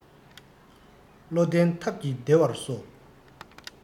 བློ ལྡན ཐབས ཀྱིས བདེ བར གསོ